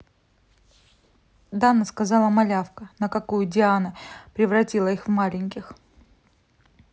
дана сказала малявка на какую диана превратила их в маленьких